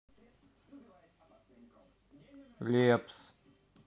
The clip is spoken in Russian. лепс